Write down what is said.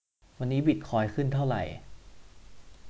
วันนี้บิทคอยน์ขึ้นเท่าไหร่